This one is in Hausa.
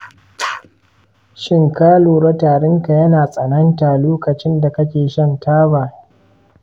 shin ka lura tarinka yana tsananta lokacin da kake shan taba?